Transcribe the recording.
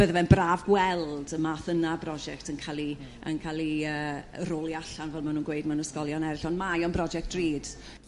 bydde fe yn braf gweld y math yna o brosiect yn ca'l 'i yn ca'l 'i yrr y roli allan fel ma' nhw'n gweud mewn ysgolion eryll ond mai o'n broject drud.